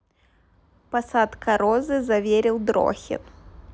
посадка розы заверил дрохин